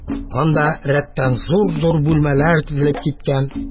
Анда рәттән зур-зур бүлмәләр тезелеп киткән.